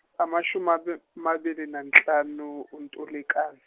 amashumi amabili nanhlanu uNtulikazi.